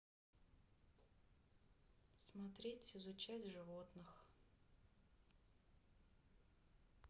смотреть изучать животных